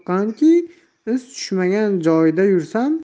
yoqqanki iz tushmagan joyda yursam